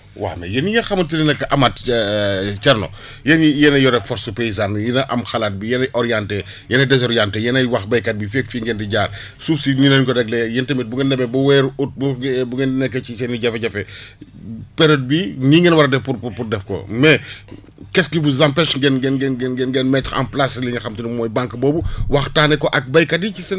waa mais yéen ñi nga xamante ne nag Amath Thierno yéen ñii yéen a yoroon force paysane yéen a am xalaat bi yéenay orientze yéenay desorienté yéenay wax béykat bi fii ak fii ngeen di jaar suuf si nii lañ ko réglé yéen tamit bu ngeen demee ba weeru août bu ngee bu ngeen nekk ci seen i jafe-jafe période bii nii ngeen war a def pour pour de f ko mais qu' est ce; qui vous empêche ngeen ngeen ngeen ngeen ngeen mettre en place ak li nga xam te ne moom mooy banque boobu waxtaanee ko ak béykat yi ci seen